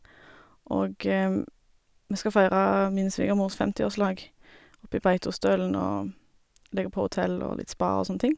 Og vi skal feire min svigermors femtiårslag oppi Beitostølen og ligge på hotell og litt spa og sånne ting.